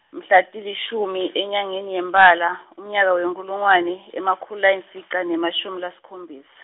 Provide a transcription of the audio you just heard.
mhla tilishumi enyangeni yeMphala, umnyaka wenkhulungwane, nemakhulu layimfica, nemashumi lasikhombisa.